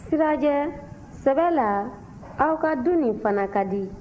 sirajɛ sɛbɛ la aw ka du nin fana ka di